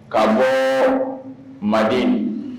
Kaa bɔ manden